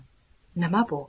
nima bu